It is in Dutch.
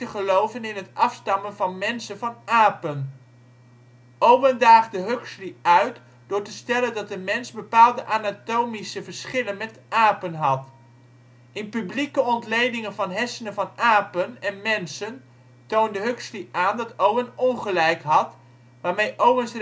geloven in het afstammen van mensen van apen. Owen daagde Huxley uit door te stellen dat de mens bepaalde anatomische verschillen met apen had. In publieke ontledingen van hersenen van apen en mensen toonde Huxley aan dat Owen ongelijk had, waarmee Owens